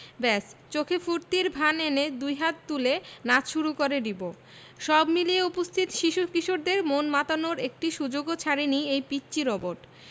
ব্যাস চোখে ফূর্তির ভাব এনে দুই হাত তুলে নাচ শুরু করে রিবো সব মিলিয়ে উপস্থিত শিশু কিশোরদের মন মাতানোর একটি সুযোগও ছাড়েনি এই পিচ্চি রোবট